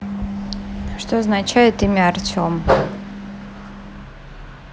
что означает имя артем